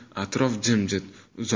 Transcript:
atrof jimjit